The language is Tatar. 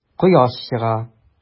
Кояш чыга.